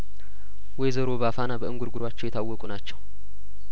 ወይዘሮ ባፋና በእንጉርጉሯቸው የታወቁ ናቸው